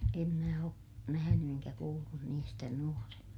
en minä ole nähnyt enkä kuullut niistä nuorena